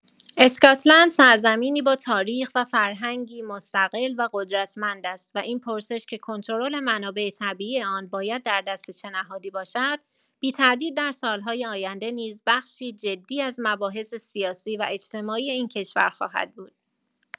اسکاتلند سرزمینی با تاریخ و فرهنگی مستقل و قدرتمند است و این پرسش که کنترل منابع طبیعی آن باید در دست چه نهادی باشد، بی تردید در سال‌های آینده نیز بخشی جدی از مباحث سیاسی و اجتماعی این کشور خواهد بود.